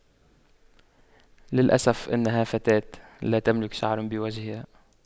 للأسف أنها فتاة لا تملك شعر بوجهها